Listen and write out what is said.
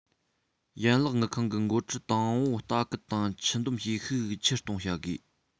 ཡན ལག དངུལ ཁང གི འགོ ཁྲིད དང པོར ལྟ སྐུལ དང འཆུན འདོམས བྱེད ཤུགས ཆེར གཏོང བྱ དགོས